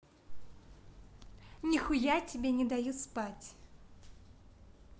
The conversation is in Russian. нихуя не тебе не даю спать